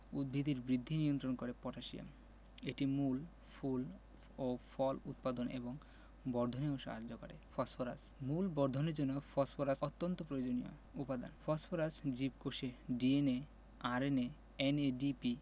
উদ্ভিদের বৃদ্ধি নিয়ন্ত্রণ করে পটাশিয়াম এটি মূল ফুল ও ফল উৎপাদন এবং বর্ধনেও সাহায্য করে ফসফরাস মূল বর্ধনের জন্য ফসফরাস অত্যন্ত প্রয়োজনীয় উপাদান ফসফরাস জীবকোষের DNA RNA NADP